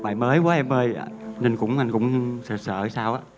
bài mới quá em ơi nên cũng anh cũng sợ sợ sao á